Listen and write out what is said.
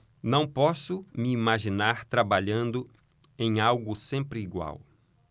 não posso me imaginar trabalhando em algo sempre igual